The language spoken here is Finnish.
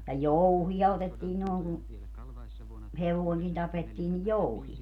ja jouhia otettiin noin kun hevonenkin tapettiin niin jouhia